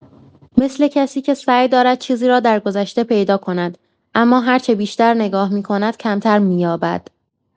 مثل کسی که سعی دارد چیزی را درگذشته پیدا کند، اما هر چه بیشتر نگاه می‌کند، کمتر می‌یابد.